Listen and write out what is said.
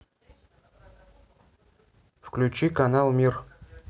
включите канал мир